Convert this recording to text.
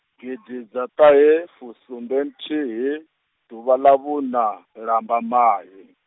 gidiḓaṱahefusumbenthihi, ḓuvha ḽa vhuna, ḽambamai.